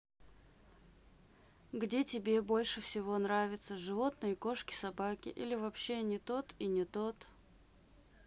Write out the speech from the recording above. где тебе больше всего мне нравятся животные кошки собаки или вообще не тот и не тот